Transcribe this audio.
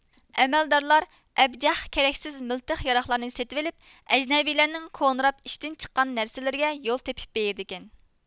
ئەمەلدارلار ئەبجەخ كېرەكسىز مىلتىق ياراغلارنى سېتىۋېلىپ ئەجنەبىيلەرنىڭ كونىراپ ئىشتىن چىققان نەرسىلىرىگە يول تېپىپ بېرىدىكەن